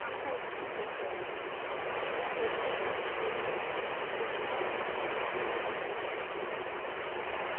A helpu bobol, yn enwedig yn fy ngwlad i.